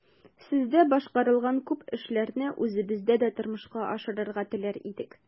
Сездә башкарылган күп эшләрне үзебездә дә тормышка ашырырга теләр идек.